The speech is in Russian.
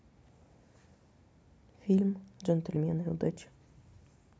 фильм джентельмены удачи